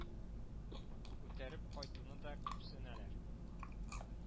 Күтәреп кайтуны да күпсенәләр